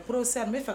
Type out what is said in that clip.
Professeur n' bɛ fɛ